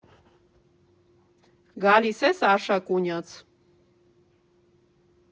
֊ Գալի՞ս ես Արշակունյաց…